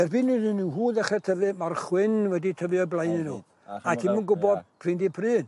Erbyn iddyn nhw ddechre tyfu ma'r chwyn wedi tyfu o blaen'u nhw a ti'm yn gwbod pr'un di pr'un.